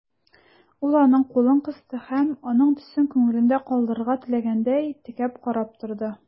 Ул аның кулын кысты һәм, аның төсен күңелендә калдырырга теләгәндәй, текәп карап торды.